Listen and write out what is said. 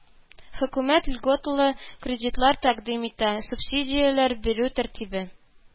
Хөкүмәт льготалы кредитлар тәкъдим итә, субсидияләр бирү тәртибе